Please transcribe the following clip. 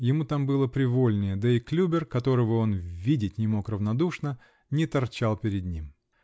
ему там было привольнее, да и Клюбер, которого он видеть не мог равнодушно, не торчал перед ним.